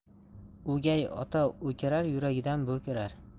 o'gay ota o'kirar yuragidan bo'kirar